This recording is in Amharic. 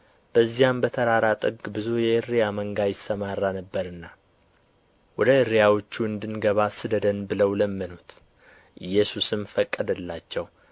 በዚያም በተራራ ጥግ ብዙ የእሪያ መንጋ ይሰማራ ነበርና ወደ እሪያዎቹ እንድንገባ ስደደን ብለው ለመኑት ኢየሱስም ፈቀደላቸው